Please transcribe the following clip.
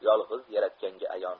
yolg'iz yaratganga ayon